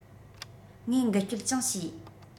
ངས འགུལ སྐྱོད ཀྱང བྱས